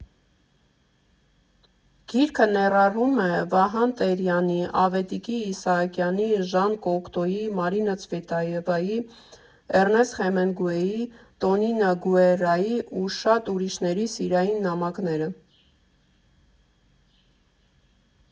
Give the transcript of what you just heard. Գիրքը ներառում է Վահան Տերյանի, Ավետիքի Իսահակյանի, Ժան Կոկտոյի, Մարինա Ցվետաևայի, Էռնեստ Հեմինգուեյի, Տոնինո Գուերայի ու շատ ուրիշների սիրային նամակները։